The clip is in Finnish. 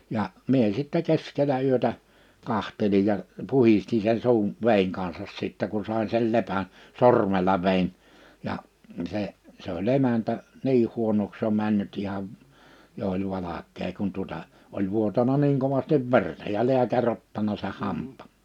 ja minä sitten keskellä yötä katselin ja puhdistin sen suun veden kanssa sitten kun sain sen lepän sormella vedin ja se se oli emäntä niin huonoksi jo mennyt ihan jo oli valkea kun tuota oli vuotanut niin kovasti verta ja lääkäri ottanut sen hampaan